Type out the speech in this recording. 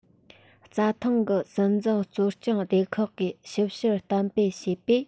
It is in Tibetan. རྩྭ ཐང གི སྲིད འཛིན གཙོ སྐྱོང སྡེ ཁག གིས ཞིབ བཤེར གཏན འབེབས བྱས པའི